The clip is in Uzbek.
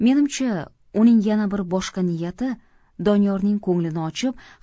menimcha uning yana bir boshqa niyati doniyorning ko'nglini ochib